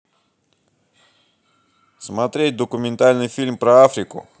смотреть документальный фильм про африку